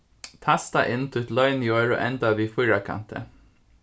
tasta inn títt loyniorð og enda við fýrakanti